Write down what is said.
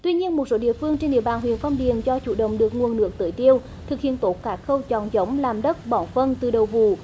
tuy nhiên một số địa phương trên địa bàn huyện phong điền cho chủ động được nguồn nước tưới tiêu thực hiện tốt các khâu chọn giống làm đất bỏ phân từ đầu vụ